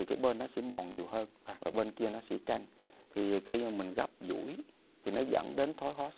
kế bên nó sẽ mòn nhiều hơn và bên kia nó sẽ căn thì khi mình gấp duỗi thì nó dẫn đến thoái hóa